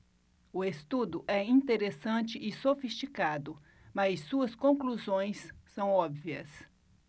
o estudo é interessante e sofisticado mas suas conclusões são óbvias